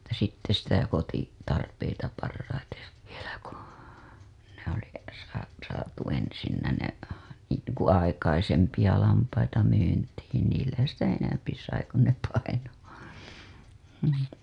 että sitten sitä - kotitarpeita parhaiten vielä kun ne - oli - saatu ensin ne niin kuin aikaisempia lampaita myyntiin niillä sitä enemmän sai kun ne painoi mm